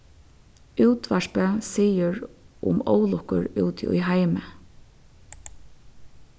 útvarpið sigur um ólukkur úti í heimi